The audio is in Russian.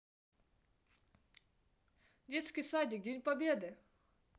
детский садик день победы